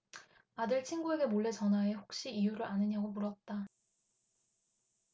아들 친구에게 몰래 전화해 혹시 이유를 아느냐고 물었다